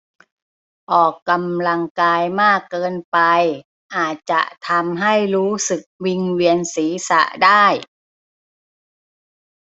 ออกกำลังกายมากเกินไปอาจจะทำให้รู้สึกวิงเวียนศีรษะได้